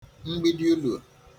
mgbidi ulùè